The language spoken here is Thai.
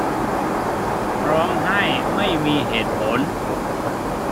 ร้องไห้ไม่มีเหตุผล